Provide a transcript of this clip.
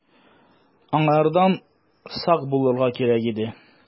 Аңардан сак булырга кирәк иде.